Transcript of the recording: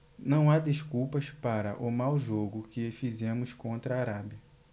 não há desculpas para o mau jogo que fizemos contra a arábia